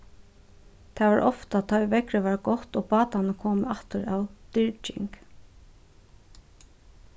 tað var ofta tá ið veðrið var gott og bátarnir komu aftur av dyrging